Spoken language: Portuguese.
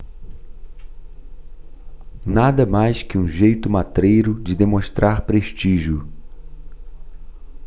nada mais que um jeito matreiro de demonstrar prestígio